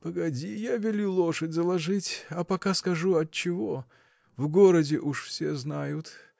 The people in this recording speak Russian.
— Погоди, я велю лошадь заложить, а пока скажу от чего: в городе уж все знают.